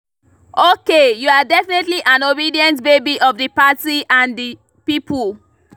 OK, you are definitely an obedient baby of the Party and the People.